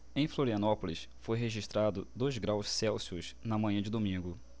em florianópolis foi registrado dois graus celsius na manhã de domingo